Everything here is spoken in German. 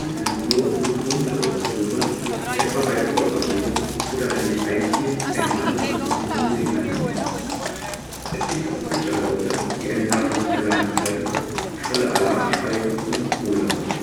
sind Gurr - und Grunzlaute zu hören, etwa bei der Fortbewegung oder wenn sich ein Tier einem anderen zum Grooming annähert. Es gibt auch Zwitscherlaute, die eine Nahrungsquelle anzeigen, schrille Alarmschreie und Drohlaute